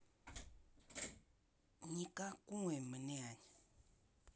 никой блядь